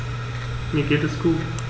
Mir geht es gut.